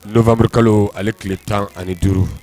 Nowanburukalo ale tile 15